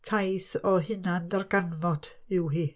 Taith o hunan ddarganfod yw hi.